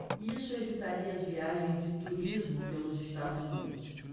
isso evitaria as viagens de turismo pelos estados unidos